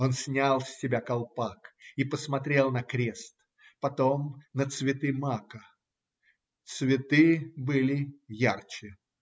Он снял с себя колпак и посмотрел на крест, потом на цветы мака. Цветы были ярче.